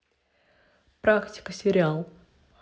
практика сериал